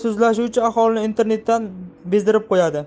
so'zlashuvchi aholini internetdan bezdirib qo'yadi